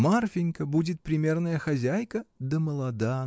Марфинька будет примерная хозяйка, да молода